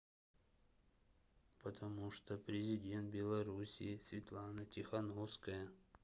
потому что президент белоруссии светлана тихановская